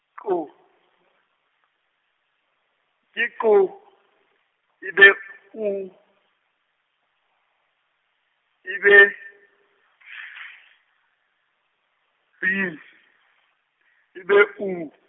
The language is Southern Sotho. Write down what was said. Q, ke Q, ebe U, ebe B, ebe U.